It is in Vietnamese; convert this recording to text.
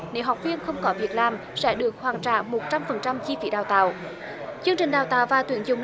nếu học viên không có việc làm sẽ được hoàn trả một trăm phần trăm chi phí đào tạo chương trình đào tạo và tuyển dụng